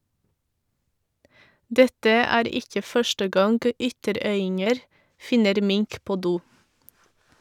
Dette er ikke første gang ytterøyinger finner mink på do.